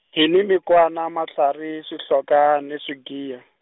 hi ni mikwana matlhari swihloka ni swigiya.